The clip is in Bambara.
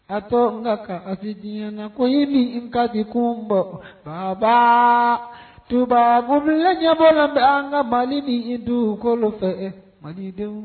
A to nka ka afi di na ko ye min ka di kun bɔ baba tu kun ɲɛbɔ bɛ an ka mali ni i dunkolo fɛ mali denw